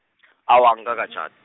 awa angikakatjhad-.